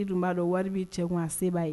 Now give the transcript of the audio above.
Dun b'a dɔn wari b' cɛ kun se b'a ye